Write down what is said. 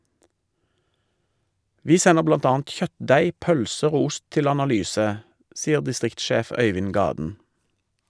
- Vi sender blant annet kjøttdeig, pølser og ost til analyse, sier distriktssjef Øivind Gaden.